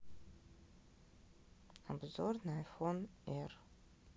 обзор на айфон р